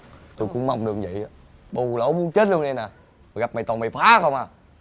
tui cũng mong được như vậy bù lỗ muốn chết luôn đây này gặp mày toàn mày phá không à